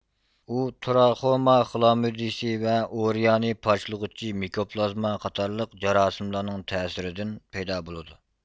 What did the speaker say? ئۇ تراخوما خىلامديىسى ۋە ئۇرېئانى پارچىلىغۇچى مىكوپلازما قاتارلىق جاراسىملارنىڭ تەسىرىدىن پەيدا بولىدۇ